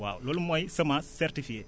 waaw loolu mooy semence certifiée